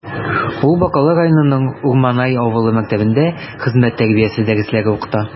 Ул Бакалы районының Урманай авылы мәктәбендә хезмәт тәрбиясе дәресләре укыта.